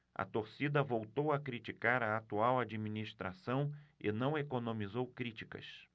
a torcida voltou a criticar a atual administração e não economizou críticas